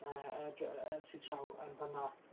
yy yy dra- yy sy draw yn fana.